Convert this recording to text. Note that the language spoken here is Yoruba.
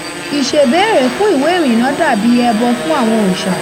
Ìṣèbéèrè fún ìwé ìrìnnà dà bíi ẹbọ fún àwọn òòsà